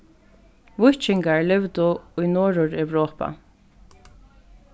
víkingar livdu í norðureuropa